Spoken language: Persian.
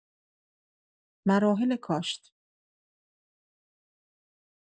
مراحل کاشت